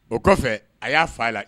O kɔfɛ a y'a fa a la